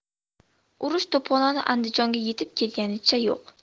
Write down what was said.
urush to'poloni andijonga yetib kelganicha yo'q